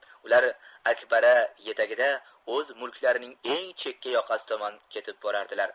ular akbara yetagida o'z mulklarining eng chekka yoqasi tomon ketib borardilar